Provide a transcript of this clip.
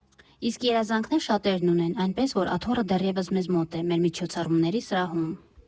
Իսկ երազանքներ շատերն ունեն, այնպես որ Աթոռը դեռևս մեզ մոտ է՝ մեր միջոցառումների սրահում։